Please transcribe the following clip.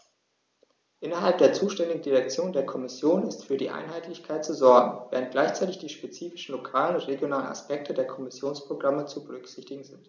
Innerhalb der zuständigen Direktion der Kommission ist für Einheitlichkeit zu sorgen, während gleichzeitig die spezifischen lokalen und regionalen Aspekte der Kommissionsprogramme zu berücksichtigen sind.